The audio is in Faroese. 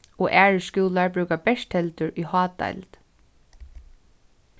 og aðrir skúlar brúka bert teldur í hádeild